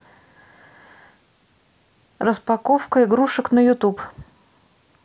распаковка игрушек на ютуб